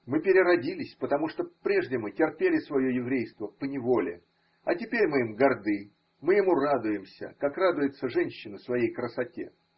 Мы переродились, потому что прежде мы терпели свое еврейство поневоле, а теперь мы им горды, мы ему радуемся, как радуется женщина своей красоте.